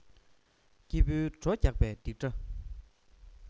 སྐྱིད པོའི བྲོ རྒྱག པའི རྡིག སྒྲ